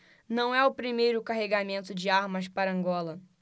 não é o primeiro carregamento de armas para angola